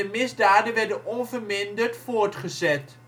misdaden werden onverminderd voortgezet